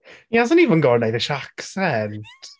He hasn't even got an Irish accent!